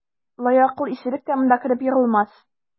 Лаякыл исерек тә монда кереп егылмас.